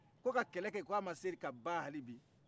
ko ka kɛlɛ kɛ k'a ma se ka ban hali bi